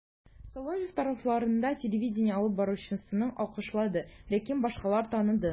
Соловьев тарафдарлары телевидение алып баручысын алкышлады, ләкин башкалар таныды: